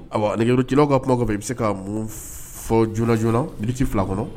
Niroelilaw ka kuma kɔfɛ i bɛ se ka mun fɔ joona joona na ni ci fila kɔnɔ